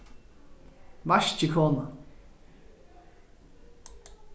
vaskikona